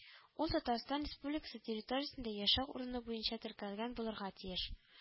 Ул Татарстан Республикасы территориясендә яшәү урыны буенча теркәлгән булырга тиеш